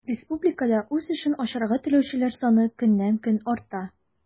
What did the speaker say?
Республикада үз эшен ачарга теләүчеләр саны көннән-көн арта.